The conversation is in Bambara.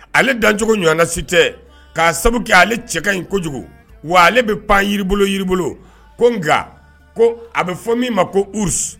Ale dancogo ɲɔnɔna si tɛ k'a sabu kɛ, ale cɛ kaɲi kojugu, wa ale bɛ pan jiri bolo jiri bolo ko nka ko a bɛ fɔ min ma ko ours